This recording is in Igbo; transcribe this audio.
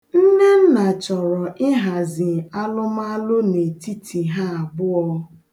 Nnenna chọrọ ịhazi alụmalụ n'etiti ha abụọ.